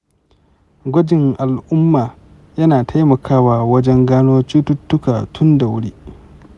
gwajin al'umma yana taimakawa wajen gano cututtuka tun da wuri.